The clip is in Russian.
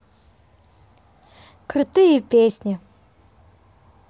крутые песни